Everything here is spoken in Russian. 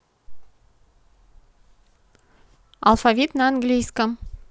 алфавит на английском